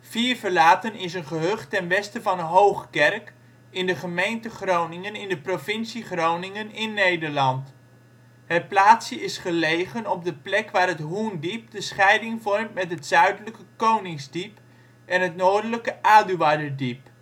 Vierverlaten is een gehucht ten westen van Hoogkerk in de gemeente Groningen, in de provincie Groningen in Nederland. Het plaatsje is gelegen op de plek waar het Hoendiep de scheiding vormt met het zuidelijke Koningsdiep het noordelijke Aduarderdiep